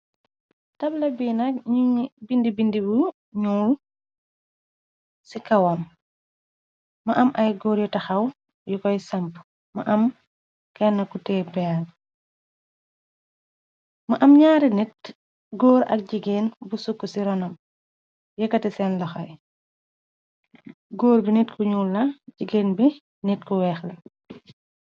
Tabla biin ak bindi-bindi bu ñuul ci kawam ma am ay góor yu taxaw yu koy samp ma am kenn ku tepa ma am ñaare nit góor ak jigéen bu sukk ci ronam yekkate seen loxoy gór bi nit ku ñuul la jigéen bi nit ku weexl.